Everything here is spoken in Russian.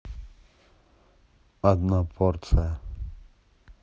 одна порция